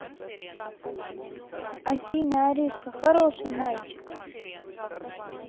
афина аришка хороший мальчик